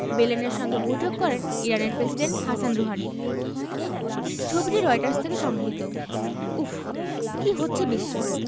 বেলেনের সঙ্গে বৈঠক করেন ইরানের প্রেসিডেন্ট হাসান রুহানি ছবিটি রয়টার্স থেকে সংগৃহীত উফ্ কী হচ্ছে বিশ্বে